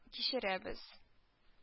Кичерәбез